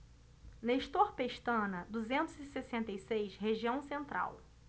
nestor pestana duzentos e sessenta e seis região central